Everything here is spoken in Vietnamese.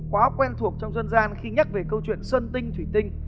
quá quen thuộc trong dân gian khi nhắc về câu chuyện sơn tinh thủy tinh